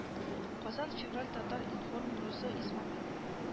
-- казан февраль татар-информ роза исмәгыйлова